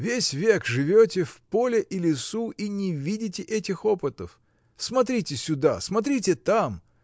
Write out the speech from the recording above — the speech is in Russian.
Весь век живете в поле и лесу и не видите этих опытов. Смотрите сюда, смотрите там.